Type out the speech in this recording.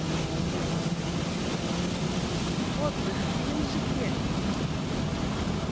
отдых в геленджике